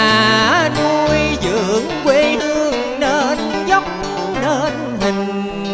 đã nuôi dưỡng quê hương nên vóc nên hình